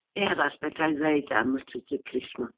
Be arall fedra i ddeud am y Trydydd Plismon?